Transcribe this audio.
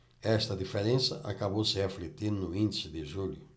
esta diferença acabou se refletindo no índice de julho